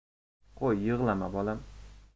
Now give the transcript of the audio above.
qo'y yig'lama bolam